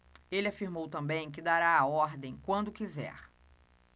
ele afirmou também que dará a ordem quando quiser